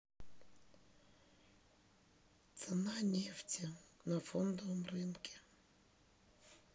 цена нефти на фондовом рынке